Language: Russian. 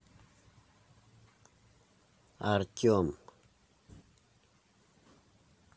артем